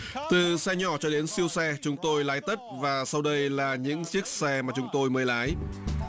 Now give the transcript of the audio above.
từ xe nhỏ cho đến siêu xe chúng tôi lái tất và sau đây là những chiếc xe mà chúng tôi mới lái